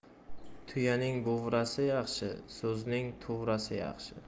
tuyaning buvrasi yaxshi so'zning tuvrasi yaxshi